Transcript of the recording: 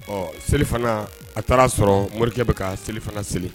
Ɔ selifana a taara sɔrɔ morikɛ bɛ ka selifana seli